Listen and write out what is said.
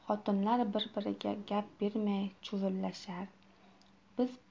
xotinlar bir biriga gap bermay chuvillashar